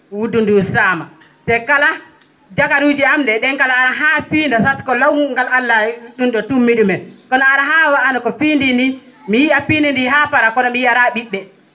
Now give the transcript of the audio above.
wuddu ndu saama te kala jakatuji am ?e kala ?en kala ara ha pinda pasque law mum ngal allay ?um ?o tummi ?umen kono ara ha wano ko piidini mi yiyaya piididi ha para kono mi yiiyata ?i??e